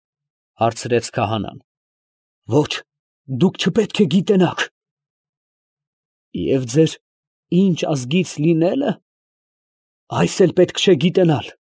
Մեզ, ֊ հարցրեց քահանան։ ֊ Ո՛չ, դու չպետք է գիտենաս, ֊ ասացին նրան։ ֊ Եվ ձեր ինչ ազգից լինե՞լը։ ֊ Այս էլ պետք չէ գիտենալ։